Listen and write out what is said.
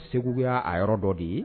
Segu bɛya a yɔrɔ dɔ de ye